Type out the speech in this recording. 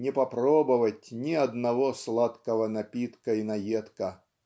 не попробовать ни одного сладкого напитка и наедка.